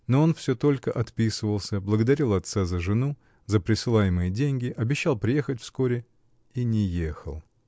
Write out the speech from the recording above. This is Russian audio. но он все только отписывался, благодарил отца за жену, за присылаемые деньги, обещал приехать вскоре -- и не ехал.